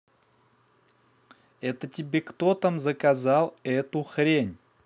это тебе кто там заказал эту хрень